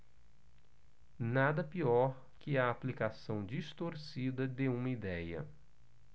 nada pior que a aplicação distorcida de uma idéia